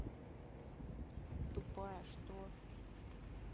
тупая что